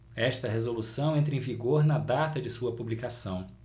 esta resolução entra em vigor na data de sua publicação